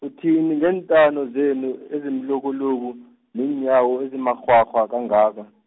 uthini ngeentamo zenu ezimlukuluku, neenyawo ezimakghwakghwa kangaka.